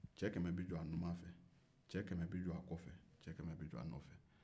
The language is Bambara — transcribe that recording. cɛ 100 bɛ jɔ a numan fɛ 100 bɛ jɔ a kɔfɛ kɛmɛ bɛ jɔ a jɛfɛ